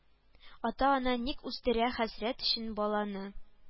Ата-ана ник үстерә хәсрәт өчен баланы